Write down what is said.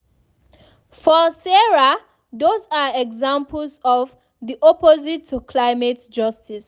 For Sarah, those are examples of “the opposite to climate justice”.